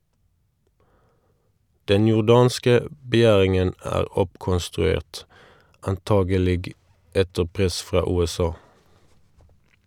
Den jordanske begjæringen er oppkonstruert, antagelig etter press fra USA.